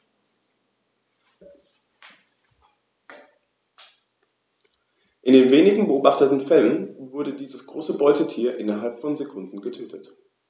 In den wenigen beobachteten Fällen wurden diese großen Beutetiere innerhalb von Sekunden getötet.